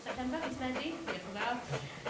September, mis Medi? Diolch yn fawr.